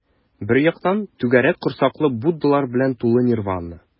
Бер яктан - түгәрәк корсаклы буддалар белән тулы нирвана.